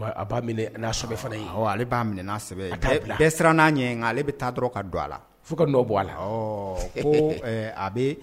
Bɛ fana ale'a minɛ bɛɛ siran n'a ɲɛ ale bɛ taa dɔrɔn ka don a la fo ka' bɔ a la ko a bɛ